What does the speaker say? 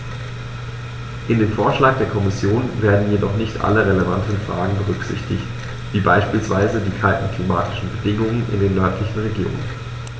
In dem Vorschlag der Kommission werden jedoch nicht alle relevanten Fragen berücksichtigt, wie beispielsweise die kalten klimatischen Bedingungen in den nördlichen Regionen.